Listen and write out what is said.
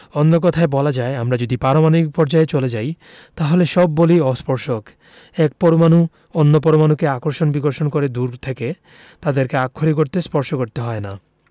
অন্য কথায় বলা যায় আমরা যদি পারমাণবিক পর্যায়ে চলে যাই তাহলে সব বলই অস্পর্শক এক পরমাণু অন্য পরমাণুকে আকর্ষণ বিকর্ষণ করে দূর থেকে তাদেরকে আক্ষরিক অর্থে স্পর্শ করতে হয় না